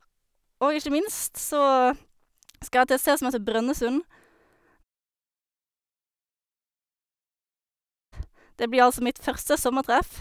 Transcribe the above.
Og ikke minst så skal jeg til et sted som heter Brønnøysund Det blir altså mitt første sommertreff.